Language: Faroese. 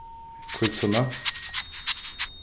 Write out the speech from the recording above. hvítusunna